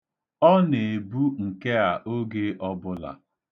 Ọ na-ebu nke a oge ọbụla.